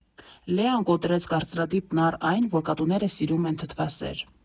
Լեան կոտրեց կարծրատիպն առ այն, որ կատուները սիրում են թթվասեր։